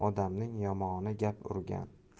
odamning yomoni gap urgan